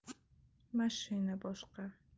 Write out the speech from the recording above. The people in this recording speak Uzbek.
mashina boshqa